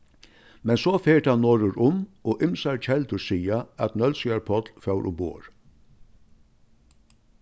men so fer tað norður um og ymsar keldur siga at nólsoyar páll fór umborð